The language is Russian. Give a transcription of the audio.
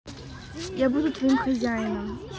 я буду твоим хозяином